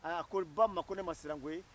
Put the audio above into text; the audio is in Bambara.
a ko ba ma ko ne ma siran koyi